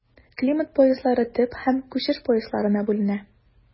Климат пояслары төп һәм күчеш поясларына бүленә.